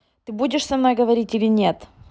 ты будешь со мной говорить или нет